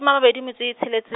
ma mabedi e metso e tshelets-.